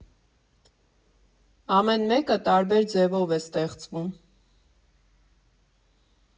Ամեն մեկը տարբեր ձևով է ստեղծվում։